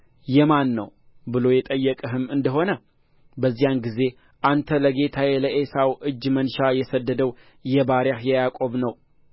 የማን ነው ብሎ የጠየቀህም እንደ ሆነ በዚያን ጊዜ አንተ ለጌታዬ ለዔሳው እጅ መንሻ የሰደደው የባሪያህ የያዕቆብ ነው